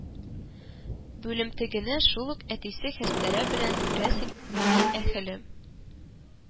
Бүлемтегенә шул ук әтисе хәстәре белән, күрәсең, дин әһеле